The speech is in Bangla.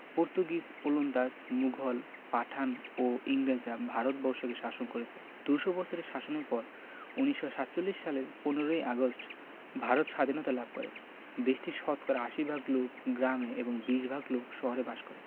পর্তুগিজ ওলন্দাজ মুঘল পাঠান ও ইংরেজরা ভারত বর্ষকে শাসন করেছে দু'শ বছরের শাসনের পর ১৯৪৭ সালের ১৫ ই আগস্ট ভারত সাধীনতা লাভ করেদেশটির শতকরা ৮০ ভাগ লোক গ্রামে এবং ২০ ভাগ লোক শহরে বাস করে